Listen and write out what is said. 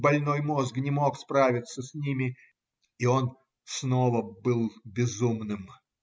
больной мозг не мог справиться с ними, и он снова был безумным.